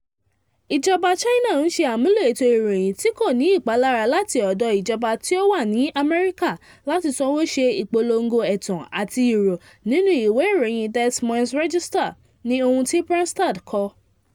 "Ìjọba China ń ṣe àmúlò ètò ìròyìn tí kò ní ìpalára láti ọ̀dọ̀ ìjọba tí ó wà ní Amẹ́ríkà láti sanwó ṣe ìpolongo ẹ̀tàn àti irọ́ nínú ìwé ìròyìn Des Moines Register,” ni ohun tí Branstad kọ.